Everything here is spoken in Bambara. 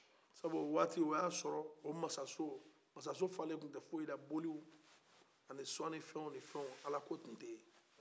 sabu o waat o sɔrɔ o ye a sɔrɔ o masaso masaso falen tun tɛ fosila boli ani sɔnni fɛn ni fɛn ala ko tun tɛ ye